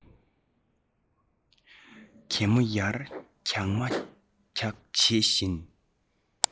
རྒད མོ ཡར རྒྱུག མར རྒྱུག བྱེད བཞིན